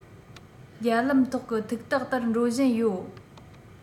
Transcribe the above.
རྒྱ ལམ ཐོག གི ཐིག རྟགས ལྟར འགྲོ བཞིན ཡོད